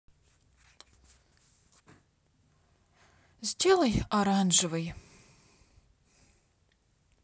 сделай оранжевый